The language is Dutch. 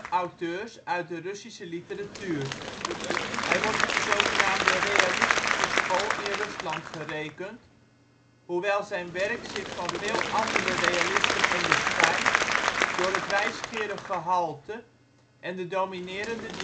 auteurs uit de Russische literatuur. Hij wordt tot de zogenaamde Realistische School in Rusland gerekend, hoewel zijn werk zich van veel andere realisten onderscheidt door het wijsgerig gehalte en de dominerende